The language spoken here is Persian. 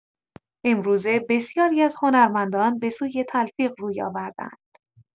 امروزه بسیاری از هنرمندان به سوی تلفیق روی آورده‌اند؛